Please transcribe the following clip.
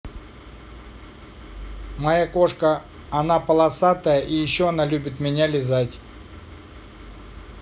моя кошка она полосатая и еще она любит меня лизать